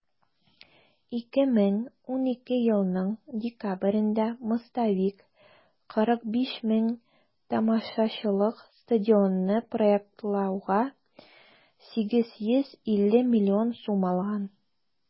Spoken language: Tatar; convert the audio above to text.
2012 елның декабрендә "мостовик" 45 мең тамашачылык стадионны проектлауга 850 миллион сум алган.